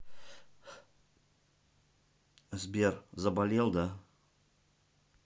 сбер заболел да